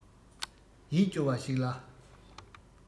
ཡིད སྐྱོ བ ཞིག ལ